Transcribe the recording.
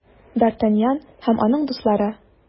Д’Артаньян һәм аның дуслары.